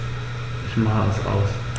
Ich mache es aus.